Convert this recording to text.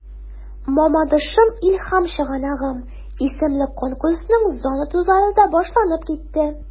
“мамадышым–илһам чыганагым” исемле конкурсның зона турлары да башланып китте.